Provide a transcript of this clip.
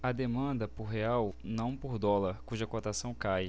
há demanda por real não por dólar cuja cotação cai